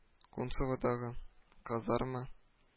Кунцеводагы казарма